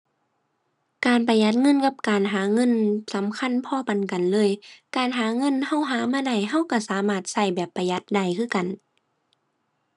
การประหยัดเงินกับการหาเงินสำคัญพอปานกันเลย การหาเงินเราหามาได้ เราเราสามารถเราแบบประหยัดได้คือกัน